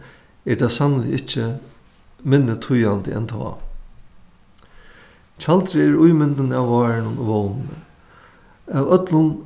er tað sanniliga ikki minni týðandi enn tá tjaldrið er ímyndin av várinum og vónini av øllum